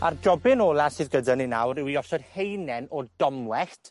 A'r jobyn ola sydd gyda ni nawr yw i osod haenen o domwellt